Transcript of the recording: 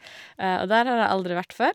Og der har jeg aldri vært før.